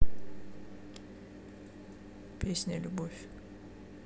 песня любовь